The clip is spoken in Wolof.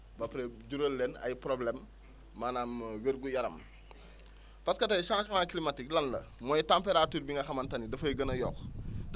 ba pare jural leen ay problèmes maanaam wér-gu-yaram parce que tey changement climatique lan la mooy température bi nga xamante ni dafay gën a yokk